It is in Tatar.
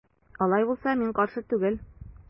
Алай булса мин каршы түгел.